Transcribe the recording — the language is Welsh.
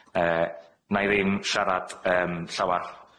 Yy, 'na i ddim siarad yym llawar